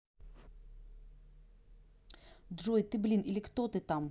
джой ты блин или кто ты там